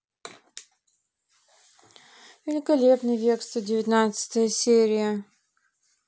великолепный век сто девятнадцатая серия